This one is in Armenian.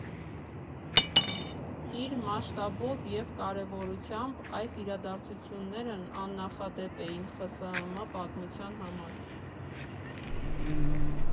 Իր մասշտաբով և կարևորությամբ այս իրադարձություններն աննախադեպ էին ԽՍՀՄ պատմության համար։